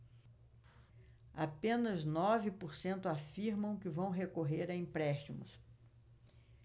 apenas nove por cento afirmam que vão recorrer a empréstimos